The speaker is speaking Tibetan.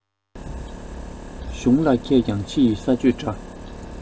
གཞུང ལ མཁས ཀྱང ཕྱི ཡི ས གཅོད འདྲ